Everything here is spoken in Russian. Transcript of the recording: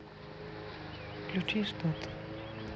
включи что то